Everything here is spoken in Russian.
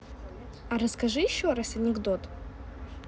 а расскажи еще раз анекдот